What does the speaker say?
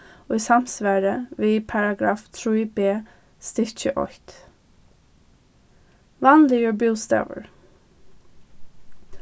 í samsvari við paragraf trý b stykki eitt vanligur bústaður